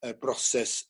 y broses